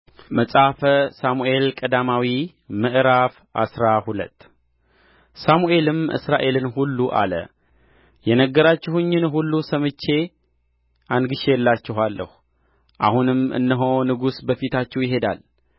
መጽሐፈ ሳሙኤል ቀዳማዊ ምዕራፍ አስራ ሁለት ሳሙኤልም እስራኤልን ሁሉ አለ የነገራችሁኝን ሁሉ ሰምቼ አንግሼላችኋለሁ አሁንም እነሆ ንጉሡ በፊታችሁ ይሄዳል